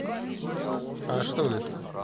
а что это